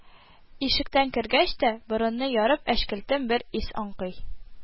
Ишектән кергәч тә, борынны ярып, әчкелтем бер ис аңкый